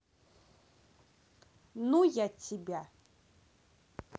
ну я тебя